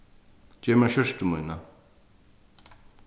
gev mær skjúrtu mína